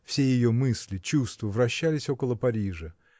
Все ее мысли, чувства вращались около Парижа.